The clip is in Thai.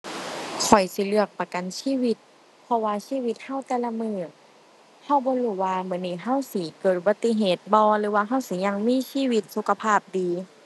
ข้อยสิเลือกประกันชีวิต เพราะว่าชีวิตเราแต่ละมื้อ เราบ่รู้ว่ามื้อนี้เราสิ เกิดอุบัติเหตุบ่ หรือว่าเราสิยังมีชีวิตสุขภาพดี